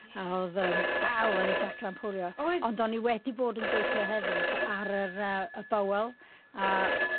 A odd yym aww odd y trac 'na'n pwlio. Oedd. Ond o'n ni wedi bod yn gweithio hefyd ar yr yy y bowel a... Reit.